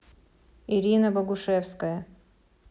ирина богушевская